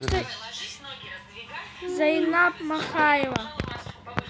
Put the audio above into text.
зайнаб махаева